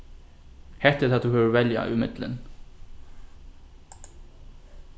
hetta er tað tú hevur at velja ímillum